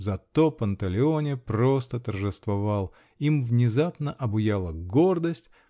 Зато Панталеоне -- просто торжествовал! Им внезапно обуяла гордость.